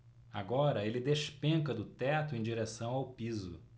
agora ele despenca do teto em direção ao piso